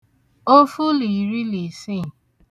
ofu là ìri là ìsiì